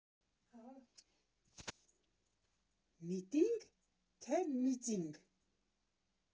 Միտի՞նգ, թե՞ միծինգ։